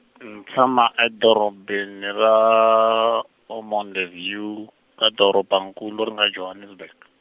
ndzi tshama a dorobeni ra Ormonde View, ka dorobankulu ri nga Johannesburg.